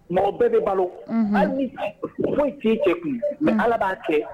Mɔgɔ bɛɛ bɛ balo unhun hali ni h foyi t'ii cɛ kun mais Ala b'a kɛ